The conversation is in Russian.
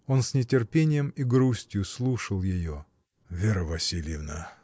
Он с нетерпением и грустью слушал ее. — Вера Васильевна!